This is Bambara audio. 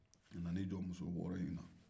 a nan'i jɔ muso wɔɔrɔ in na